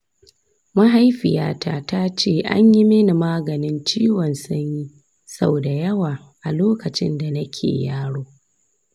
mahaifiyata ta ce an yi mini maganin ciwon sanyi sau da yawa a lokacin da nake yaro.